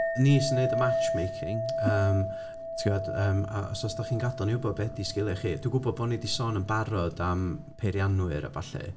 Ni sy'n wneud y matchmaking. Yym, ti'n gwbod yym os dych chi'n gadael i ni wybod be ydy sgiliau chi. Dwi'n gwybod bod ni 'di sôn yn barod am peiriannwyr a ballu.